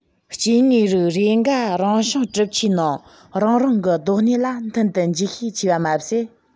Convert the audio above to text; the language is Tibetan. སྐྱེ དངོས རིགས རེ འགའ རང བྱུང གྲུབ ཆའི ནང རང རང གི སྡོད གནས ལ མཐུན དུ འཇུག ཤས ཆེ བ མ ཟད